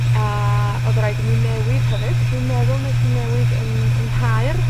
A odd raid i mi newid hefyd, dwi'n meddwl nesh i newid yn yng Nghaer.